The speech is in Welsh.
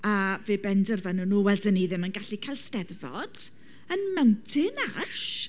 A fe benderfynon nhw, wel, dan ni ddim yn gallu cael Eisteddfod yn Mountain Ash.